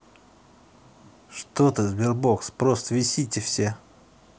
что ты sberbox просто висите все